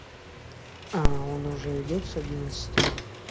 он уже идет с одиннадцати